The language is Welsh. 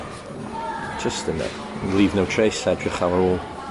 Jyst yn yy leave no trace edrych ar ôl